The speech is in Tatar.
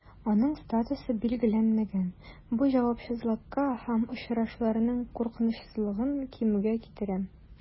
Аның статусы билгеләнмәгән, бу җавапсызлыкка һәм очышларның куркынычсызлыгын кимүгә китерә.